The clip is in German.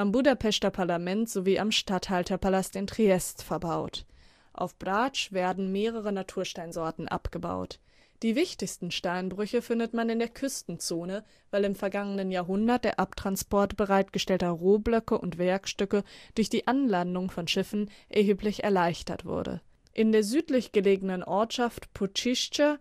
Budapester Parlament sowie am Statthalterpalast in Triest verbaut. Auf Brač werden mehrere Natursteinsorten abgebaut. Die wichtigsten Steinbrüche findet man in der Küstenzone, weil in vergangenen Jahrhunderten der Abtransport bereitgestellter Rohblöcke und Werkstücke durch die Anlandung von Schiffen erheblich erleichtert wurde. In der südlich gelegenen Ortschaft Pučišća besteht